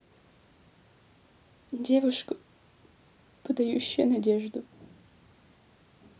девушка подающая надежду